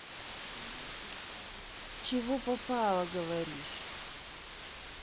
с чего попало говоришь